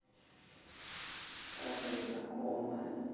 старые знакомые